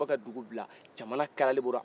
o bɛ ka dugu bila jamana kalayali bolo